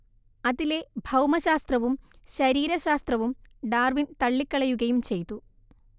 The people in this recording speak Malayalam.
അതിലെ ഭൗമശാസ്ത്രവും ശരീരശാസ്ത്രവും ഡാർവിൻ തള്ളിക്കളയുകയും ചെയ്തു